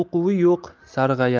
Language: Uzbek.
uquvi yo'q sarg'ayar